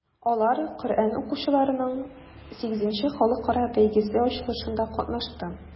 Алар Коръән укучыларның VIII халыкара бәйгесе ачылышында катнашты.